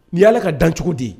N'i ala ka dancogo de ye